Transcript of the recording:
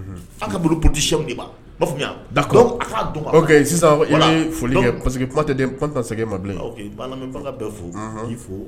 Unhu, aw ka kan b poliisiɲɛnw ma i m'a famuya, d'accord, ok, donc sisan i bɛfoli kɛ parce que kuma tɛna segi e ma bilen, ok n b'a an lamɛn baga bɛɛ fo, unhun, ka e fo.